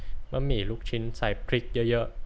บะหมี่ลูกชิ้นใส่พริกเยอะเยอะ